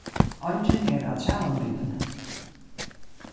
eingin er á trælanípuni